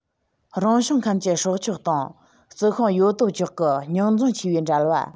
རང བྱུང ཁམས ཀྱི སྲོག ཆགས དང རྩི ཤིང ཡོད དོ ཅོག གི རྙོག འཛིང ཆེ བའི འབྲེལ བ